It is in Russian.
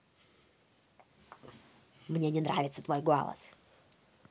мне не нравится твой голос